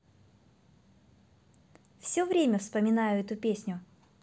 все время вспоминаю эту песню